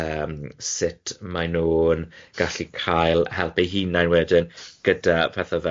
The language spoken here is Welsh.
yym sut maen nhw'n gallu cael help eu hunain wedyn gyda pethe fel